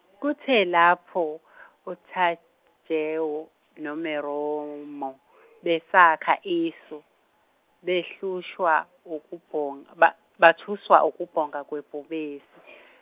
kuthe lapho oTajewo noMeromo, besakha isu, behlushwa ukubhonga ba- bethuswa ukubhonga kwebhubesi.